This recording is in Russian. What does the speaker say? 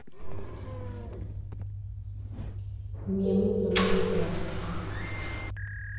мемы про майнкрафт